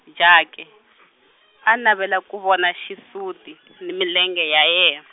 Jake , a navela ku vona xisuti, ni milenge ya ye-.